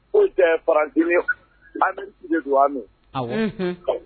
O cɛ baraji an bɛ sigi don min